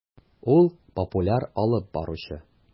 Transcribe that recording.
Ул - популяр алып баручы.